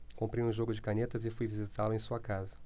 comprei um jogo de canetas e fui visitá-lo em sua casa